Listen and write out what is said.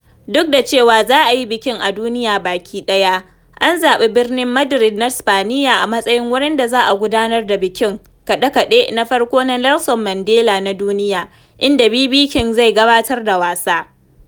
Duk da cewa za a yi bikin a duniya baki ɗaya, an zaɓi birnin Madrid na Sipaniya a matsayin wurin da za a gudanar da bikin kaɗe-kaɗe na farko na Nelson Mandela na duniya, inda BB King zai gabatar da wasa.